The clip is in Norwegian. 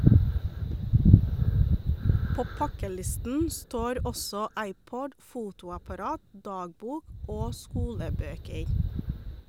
På pakkelisten står også iPod, fotoapparat, dagbok - og skolebøker.